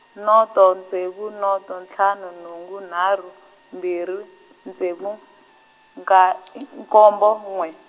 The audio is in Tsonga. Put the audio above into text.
noto ntsevu noto ntlhanu nhungu nharhu, mbirhi, ntsevu, nka , hi nkombo n'we.